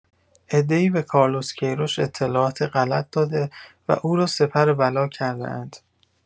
عده‌ای به کارلوس کی‌روش اطلاعات غلط داده و او را سپر بلا کرده‌اند.